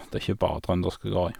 Det er ikke bare trøndersk det går i.